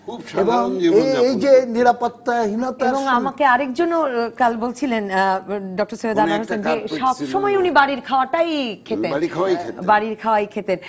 খুব সাধারণ জীবন যাপন করতেন এবং এই এই যে নিরাপত্তাহীনতা এবং আমাকে আরেক জন ও কাল বলছিলেন ডঃ সৈয়দ আনোয়ার হোসেন সব সময় উনি বাড়ির খাওয়াটাই খেতেন বাড়ির খাওয়াটাই খেতেন